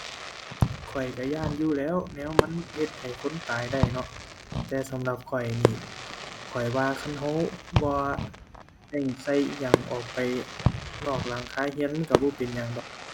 ข้อยก็ย้านอยู่แหล้ว แนวมันเฮ็ดให้คนตายได้เนาะ แต่สำหรับข้อยนี่ ข้อยว่าคันก็บ่ได้ใส่อิหยังออกไปนอกหลังคาก็มันก็บ่เป็นหยังดอก